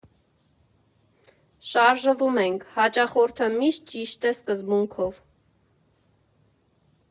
֊ Շարժվում ենք «հաճախորդը միշտ ճիշտ է» սկզբունքով։